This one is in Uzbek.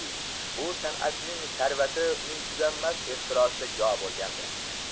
bu sanatning sarvati uning tuganmas ehtirosida jo bo'lgandi